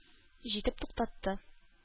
Җитеп туктатты